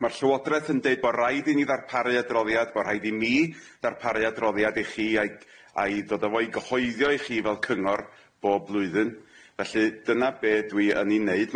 Ma'r llywodreth yn deud bo raid i ni ddarparu adroddiad bo rhaid i mi ddarparu adroddiad i chi a'i a'i dod â fo i gyhoeddio i chi fel cyngor bob blwyddyn felly dyna be' dwi yn ei neud.